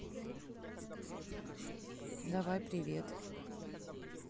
давай привет